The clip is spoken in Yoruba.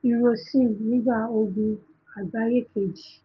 Hiroshima nígbà Ogun Àgbáyé Kejì.